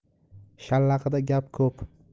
shallaqida gap ko'p